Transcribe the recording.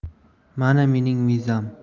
mana mening vizam